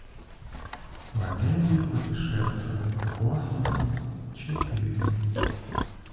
валерий путешествует по космосу четыре